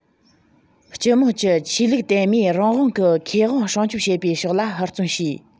སྤྱི དམངས ཀྱི ཆོས ལུགས དད མོས རང དབང གི ཁེ དབང སྲུང སྐྱོབ བྱེད པའི ཕྱོགས ལ ཧུར བརྩོན བྱས